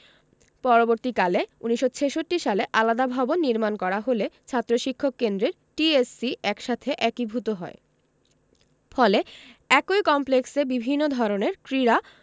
পরবর্তীকালে ১৯৬৬ সালে আলাদা ভবন নির্মাণ করা হলে ছাত্র শিক্ষক কেন্দ্রের টিএসসি সাথে একীভূত হয় ফলে একই কমপ্লেক্সে বিভিন্ন ধরনের ক্রীড়া